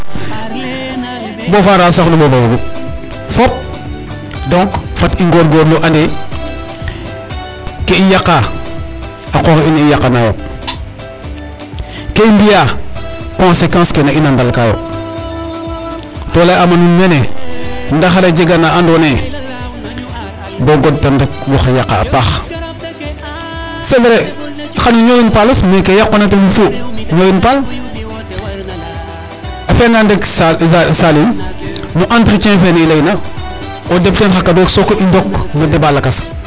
Bo Farale sax o Ɓoof a fogu fop donc fat i ngoorngoorlu ande ke i yaqaa a qox in i yaqanaayo ke i mbi'aa conséquence ke na in a dalkaayo to lay'aam a nuun mene ndaxar a jega na andoona yee bo o godtan rek waxey yaqaa a paax c' est vrai xan o ñoowin ɓalof mais ke yaqoona ten xupu ñoowin paal a fi'angaan rek Saliou no entretien fene i layna o deɓ ten xa kadu'of soko koy i ndok no débat lakas.